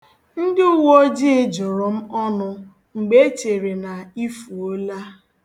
Ndị uweojii jụrụ m ọnụ mgbe e chere na i fuola.